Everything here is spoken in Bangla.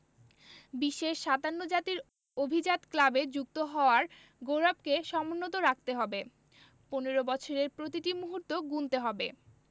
বিশ্বের ৫৭ জাতির অভিজাত ক্লাবে যুক্ত হওয়ার গৌরবকে সমুন্নত রাখতে হবে ১৫ বছরের প্রতিটি মুহূর্ত গুনতে হবে